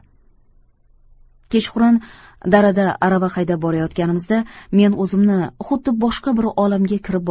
kechqurun darada arava haydab borayotganimizda men o'zimni xuddi boshqa bir olamga kirib